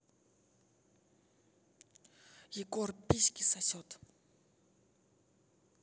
егор письки сосет